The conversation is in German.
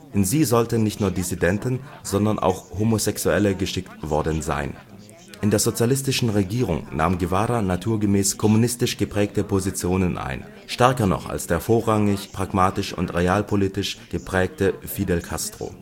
In sie sollen nicht nur Dissidenten, sondern auch Homosexuelle geschickt worden sein. In der sozialistischen Regierung nahm Guevara naturgemäß kommunistisch geprägte Positionen ein, stärker noch als der vorrangig pragmatisch und realpolitisch geprägte Fidel Castro